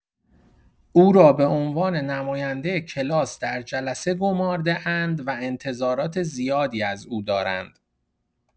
او را به عنوان نماینده کلاس در جلسه گمارده‌اند و انتظارات زیادی از او دارند.